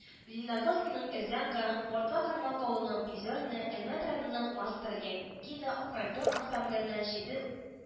Лениногорскиның Эрзянка, Мордва Кармалка авылының Пизёлне , Әлмәт районының Мастор Ягида фольклор ансамбльләреннән җиде